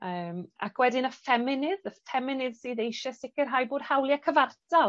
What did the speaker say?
A yym ac wedyn y ffeminydd y ffeminydd sydd eisie sicirhau bod hawlie cyfartal